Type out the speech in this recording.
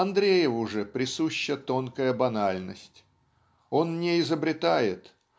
Андрееву же присуща тонкая банальность. Он не изобретает.